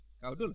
kaw Doulo